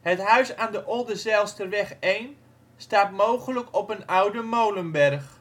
Het huis aan de Oldenzijlsterweg 1 staat mogelijk op een oude molenberg